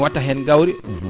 mi watta hen gawri